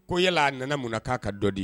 Ko yala a nana mun k'a ka dɔ di